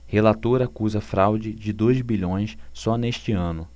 relator acusa fraude de dois bilhões só neste ano